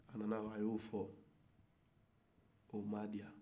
a nana a y'o fɔ o m'a diya